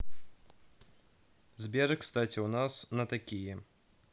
сбер кстати у нас на такие